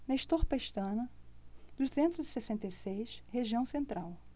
nestor pestana duzentos e sessenta e seis região central